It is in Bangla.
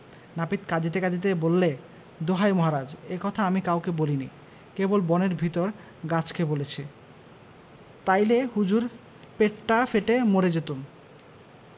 নাপিত কঁদিতে কঁদিতে বললে দোহাই মহারাজ এ কথা আমি কাউকে বলিনি কেবল বনের ভিতর গাছকে বলেছি তাইলে হুজুর পেটটা ফেটে মরে যেতুম